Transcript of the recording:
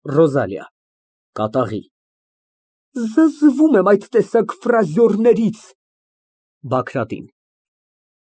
ՌՈԶԱԼԻԱ ֊ (Կատաղի)։ Զզվում եմ այդ տեսակ ֆրազյորներից (Բագրատին)։